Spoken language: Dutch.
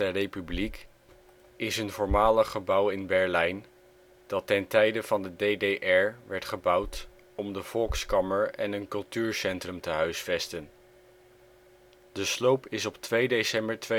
Republik is een voormalig gebouw in Berlijn, dat ten tijde van de DDR werd gebouwd om de Volkskammer en een cultuurcentrum te huisvesten. De sloop is op 2 december 2008